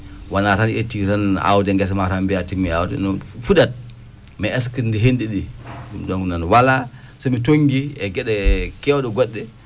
wonaa tan yettii aawde ngesa ma tan mbiyaa timmii aawdi non fuɗat mais est ce que ndi hennɗiɗi ɗum ɗoon noon wola so mi toŋngii e geɗe keewɗe goɗɗe